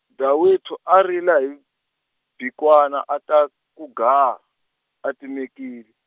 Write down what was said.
Dadewethu a rila hi, mbhikwana a ta ku gaa, a timekile.